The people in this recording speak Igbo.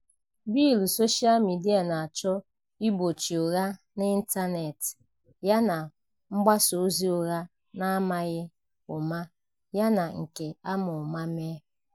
Bịịlụ soshaa midịa na-achọ igbochi ụgha n'ịntaneetị yana mgbasa ozi ụgha n'amaghị ụma yana nke a ma ụma mee.